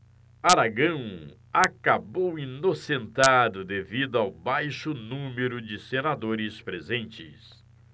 aragão acabou inocentado devido ao baixo número de senadores presentes